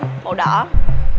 màu đỏ